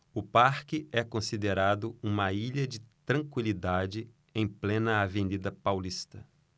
o parque é considerado uma ilha de tranquilidade em plena avenida paulista